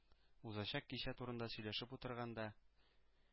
Узачак кичә турында сөйләшеп утырганда,